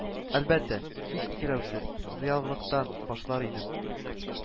Әлбәттә, һич икеләнүсез, зыялылыктан башлар идем